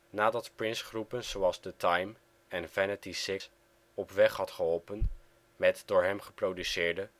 Nadat Prince groepen zoals The Time en Vanity 6 op weg had geholpen met door hem geproduceerde